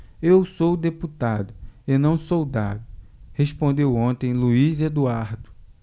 eu sou deputado e não soldado respondeu ontem luís eduardo